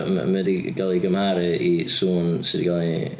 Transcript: M- mae 'di gael ei gymharu i sŵn sydd 'di gael ei...